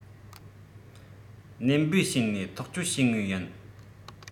ནན པོས བྱས ནས ཐག གཅོད བྱེད ངོས ཡིན